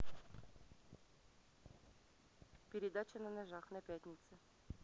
передача на ножах на пятнице